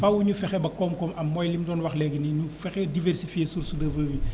faaw ñu fexe ba koom-koom am mooy li ma doon wax léegi na ñu fexe diversifié source de revenu